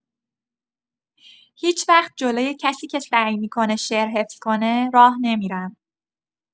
هیچ‌وقت جلوی کسی که سعی می‌کنه شعر حفظ کنه، راه نمی‌رم.